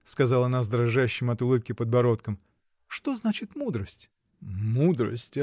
— сказала она с дрожащим от улыбки подбородком. — Что значит мудрость? — Мудрость.